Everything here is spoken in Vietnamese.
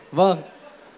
vâng